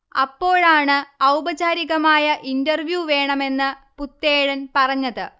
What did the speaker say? അപ്പോഴാണ് ഔപചാരികമായ ഇന്റർവ്യൂ വേണമെന്ന് പുത്തേഴൻ പറഞ്ഞത്